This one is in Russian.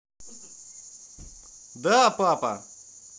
да папа